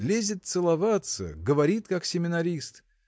лезет целоваться, говорит, как семинарист.